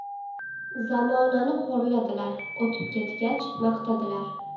zamonani xo'rladilar o'tib ketgach maqtadilar